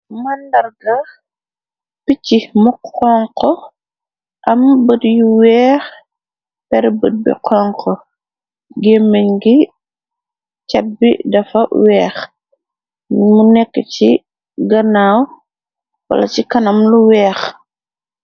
màndarga picci mo xonko am bët yu weex per bët bi xonko gémeñ gi cat bi dafa weex mu nekk ci ganaaw wala ci kanam lu weex